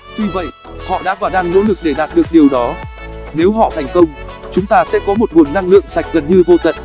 tuy vậy họ đã và đang nỗ lực để đạt được điều đó nếu họ thành công chúng ta sẽ có một nguồn năng lượng sạch gần như vô tận